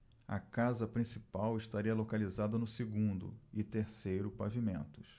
a casa principal estaria localizada no segundo e terceiro pavimentos